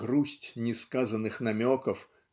"грусть несказанных намеков"